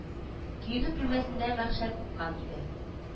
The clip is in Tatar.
Киенү бүлмәсендә мәхшәр купкан иде